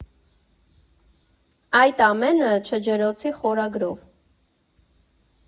Այդ ամենը՝ «Չջրոցի» խորագրով։